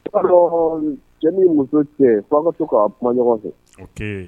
Inb'a don ,cɛ ni muso cɛ fɔ a ka to ka kuma ɲɔgɔn fɛ, okey.